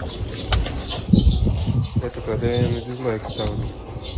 это когда я на дизлайк ставлю